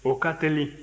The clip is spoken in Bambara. o ka teli